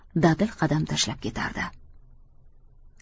qadam tashlab ketardi